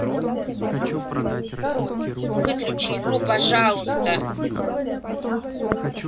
выключи игру пожалуйста